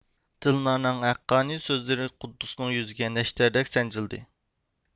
دىلنارنىڭ ھەققانىي سۆزلىرى قۇددۇسنىڭ يۈرىكىگە نەشتەردەك سانجىلغانىدى